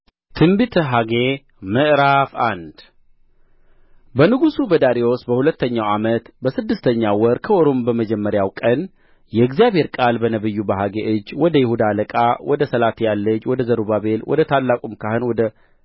ትንቢተ ሐጌ ምዕራፍ አንድ በንጉሡ በዳርዮስ በሁለተኛው ዓመት በስድስተኛው ወር ከወሩም በመጀመሪያው ቀን የእግዚአብሔር ቃል በነቢዩ በሐጌ እጅ ወደ ይሁዳ አለቃ ወደ ሰላትያል ልጅ ወደ ዘሩባቤል ወደ ታላቁም ካህን ወደ